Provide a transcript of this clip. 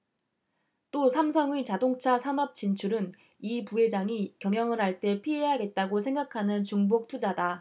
또 삼성의 자동차 산업 진출은 이 부회장이 경영을 할 때 피해야겠다고 생각하는 중복 투자다